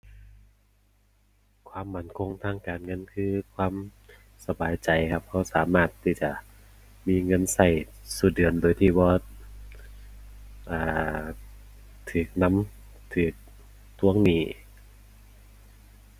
ความมั่นคงทางการเงิน คือ ความสบายใจครับ เราสามารถที่จะมีเงินเราซุเดือนโดยที่บ่ อ่า เรานำ เราทวงหนี้